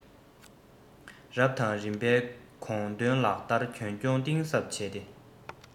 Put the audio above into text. རབ དང རིམ པའི དགོངས དོན ལག བསྟར དོན འཁྱོལ གཏིང ཟབ བྱས ཏེ